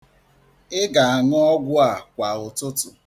Ị ga-aṅụ ọgwụ a kwa ụtụtụ.